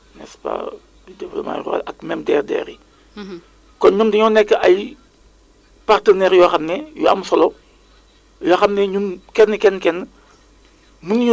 mai te boobu ba léegi aussi vraiment énu ngi gis ne mi ngi taw donc de manière régulière benn yoon la ñu fi am benn pause bi nga xamante ne ni xëy na xaw na xaw na nekk benn situation alarmante